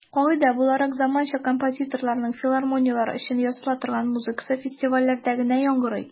Кагыйдә буларак, заманча композиторларның филармонияләр өчен языла торган музыкасы фестивальләрдә генә яңгырый.